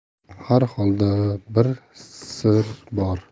har holda bir sir bor